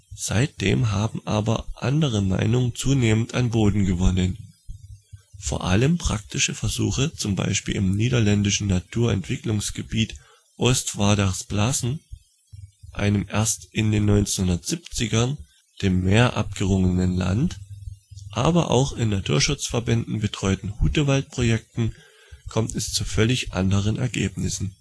Seitdem haben aber andere Meinungen zunehmend an Boden gewonnen. Vor allem praktische Versuche, zum Beispiel im niederländischen Naturentwicklungsgebiet Oostvaardersplassen (einem erst in den 1970ern dem Meer abgerungenem Land), aber auch in von Naturschutzverbänden betreuten Hutewaldprojekten kommen zu völlig anderen Ergebnissen